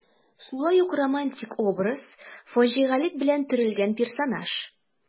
Шулай ук романтик образ, фаҗигалек белән төрелгән персонаж.